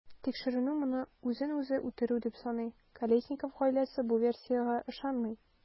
Тикшеренү моны үзен-үзе үтерү дип саный, Колесников гаиләсе бу версиягә ышанмый.